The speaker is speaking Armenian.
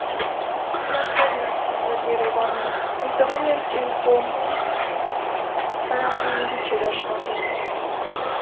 Իրա հերն ա ծնվել Երևանում, մի տղեն էլ Կենտկոմում հրահանգիչ էր աշխատում։